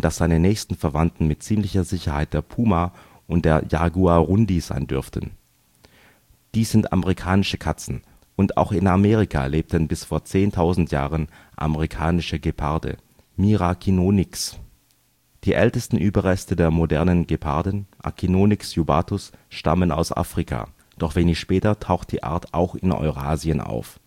seine nächsten Verwandten mit ziemlicher Sicherheit der Puma und der Jaguarundi sein dürften. Dies sind amerikanische Katzen, und auch in Amerika lebten bis vor 10.000 Jahren Amerikanische Geparde (Miracyinonyx). Die ältesten Überreste des modernen Geparden (A. jubatus) stammen aus Afrika, doch wenig später taucht die Art auch in Eurasien auf